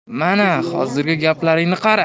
mana hozirgi gaplaringni qara